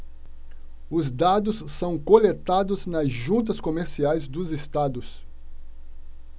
os dados são coletados nas juntas comerciais dos estados